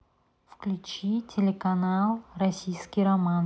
включи телеканал русский роман